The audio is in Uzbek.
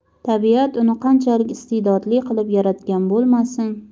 tabiat uni qanchalik iste'dodli qilib yaratgan bo'lmasin